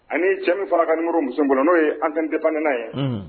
Ani cɛ min farakanikɔrɔ muso kɔnɔ n'o ye an tɛ tɛp n' ye